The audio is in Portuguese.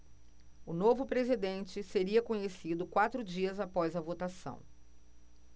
o novo presidente seria conhecido quatro dias após a votação